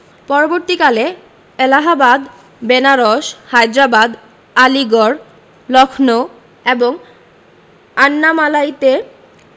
পরবর্তীকালে এলাহাবাদ বেনারস হায়দ্রাবাদ আলীগড় লক্ষ্ণৌ এবং আন্নামালাইতে